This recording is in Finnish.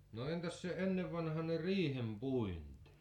no entäs se ennenvanhainen riihenpuinti